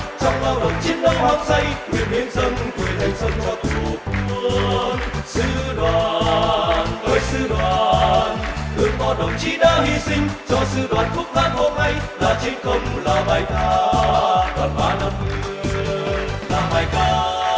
trong lao động chiến đấu hăng say nguyện hiến dâng tuổi thanh xuân cho tổ quốc sư đoàn ơi sư đoàn gương bao đồng chí đã hy sinh cho sư đoàn khúc hát hôm nay là chiến công là bài ca đoàn ba năm mươi là bài ca